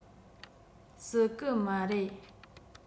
སྲིད གི མ རེད